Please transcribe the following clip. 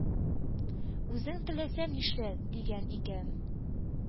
Үзең теләсә нишлә, дигән икән,